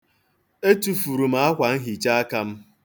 Etufuru m akwanhichaaka m.